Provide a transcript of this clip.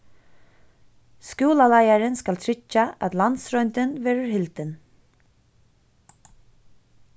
skúlaleiðarin skal tryggja at landsroyndin verður hildin